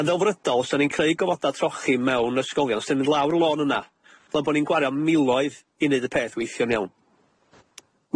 Yn ddelfrydol 'sa ni'n creu gofoda' trochi mewn ysgolion, os 'dan ni'n mynd lawr y lôn yna, fel bo' ni'n gwario miloedd i neud y peth weithio'n iawn.